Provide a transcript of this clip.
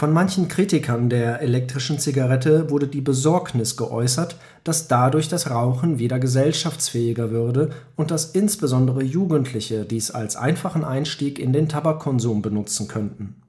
manchen Kritikern der elektrischen Zigarette wurde die Besorgnis geäußert, dass dadurch das Rauchen wieder gesellschaftsfähiger würde und dass insbesondere Jugendliche dies als einfachen Einstieg in den Tabakkonsum benutzen könnten